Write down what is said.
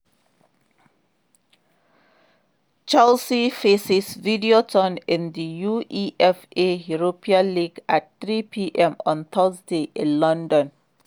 Chelsea faces Videoton in the UEFA Europa League at 3 p.m. on Thursday in London.